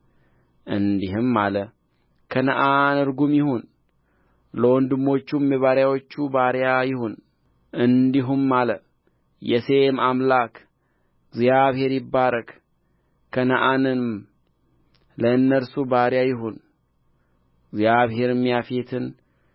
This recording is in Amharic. እንዲህም አለ ከነዓን ርጉም ይሁን ለወንድሞቹም የባሪያዎች ባሪያ ይሁን እንዲህም አለ የሴም አምላክ እግዚአብሔር ይባረክ ከነዓንም ለእነርሱ ባሪያ ይሁን እግዚአብሔርም ያፌትን